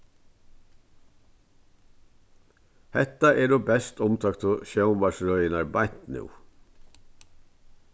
hetta eru best umtóktu sjónvarpsrøðirnar beint nú